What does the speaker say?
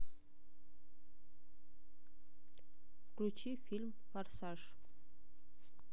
включи фильм форсаж